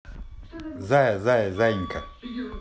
зая зая заинька